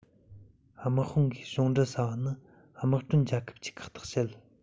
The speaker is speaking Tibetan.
དམག དཔུང གིས གཞུང འབྲུ ཟ བ ནི དམག གྲོན རྒྱལ ཁབ ཀྱིས ཁག ཐེག བྱེད